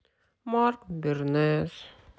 марк бернес